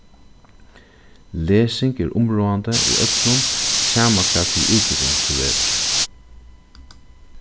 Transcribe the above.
lesing er umráðandi í øllum sama hvat fyri útbúgving tú velur